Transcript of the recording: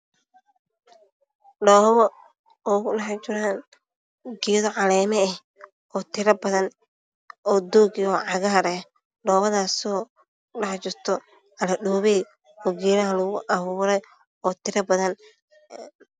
Dhoobo oo ay ku dhex jiraan geedo caleema ah oo tiro badan oo doog ah oo cagaar ah dhoobadaas oo ku dhex jirto cali dhoobeey oo geedaha lagu abuuro oo tiro badan